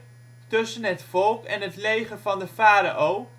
tussen het volk en het leger van de farao